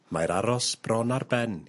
Mae'r aros bron ar ben...